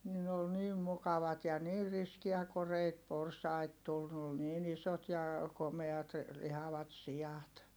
niin ne oli niin mukavat ja niin riskejä koreita porsaita tuli ne oli niin isot ja komeat lihavat siat